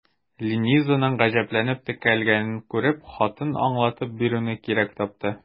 Ленизаның гаҗәпләнеп текәлгәнен күреп, хатын аңлатып бирүне кирәк тапты.